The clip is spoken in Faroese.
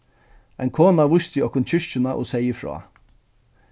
ein kona vísti okkum kirkjuna og segði frá